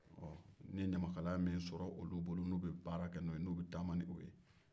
n ye ɲamakalaya min sɔrɔ olu bolo n'o bɛ baara kɛ n'o ye n'o bɛ taama n'o ye